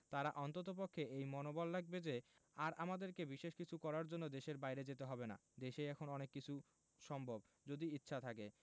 তারা অন্ততপক্ষে এই মনোবল রাখবে যে আর আমাদেরকে বিশেষ কিছু করার জন্য দেশের বাইরে যেতে হবে না দেশেই এখন অনেক কিছু সম্ভব যদি ইচ্ছা থাকে